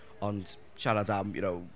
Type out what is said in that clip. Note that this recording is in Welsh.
Ond siarad am you know...